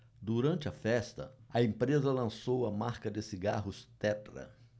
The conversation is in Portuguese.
durante a festa a empresa lançou a marca de cigarros tetra